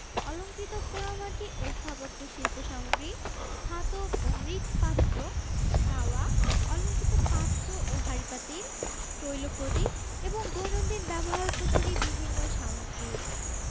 অলঙ্কৃত পোড়ামাটি ও স্থাপত্যশিল্প সামগ্রী ধাতব ও মৃৎ পাত্র তাওয়া অলংকৃত পাত্র ও হাঁড়িপাতিল তৈল প্রদীপ এবং দৈনন্দিন ব্যবহারোপযোগী বিভিন্ন সামগ্রী